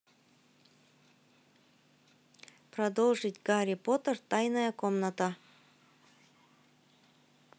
продолжить гарри поттер тайная комната